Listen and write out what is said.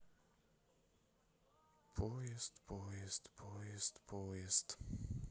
поезд поезд поезд поезд